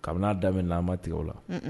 Kabini a daminɛ na an ma tigɛ la